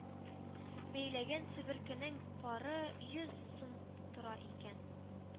Бәйләгән себеркенең пары йөз сум тора икән.